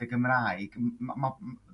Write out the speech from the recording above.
y Gymraeg ma' ma'